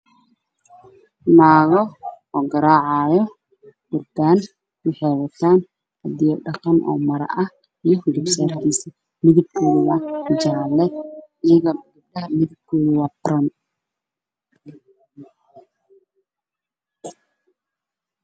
Meeshaan waxaa tuuran naago waxayna qabaan daraayo guduud ah waxayna wataan durbaan